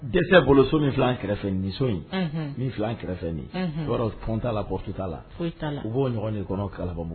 Dɛsɛ bolo so min filan kɛrɛfɛ niso in min fila kɛrɛfɛ nin t'a la kɔ futa t'a la u b'o ɲɔgɔn de kɔnɔbɔbon